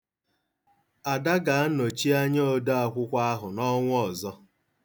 Ada ga-anọchi anya odaakwụkwọ ahụ n'ọnwa ọzọ.